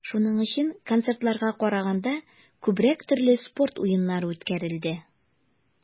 Шуның өчен, концертларга караганда, күбрәк төрле спорт уеннары үткәрелде.